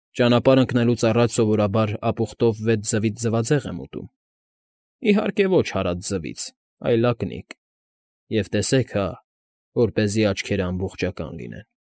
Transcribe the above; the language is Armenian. Ճանապարհ ընկնելուց առաջ սովորաբար ապուխտով վեց ձվից ձվածեղ եմ ուտում, իհարկե, ոչ հարած ձվից, այլ ակնիկ, և տեսեք հա, որպեսզի աչքերը ամբողջական լինեն։